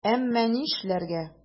Әмма нишләргә?!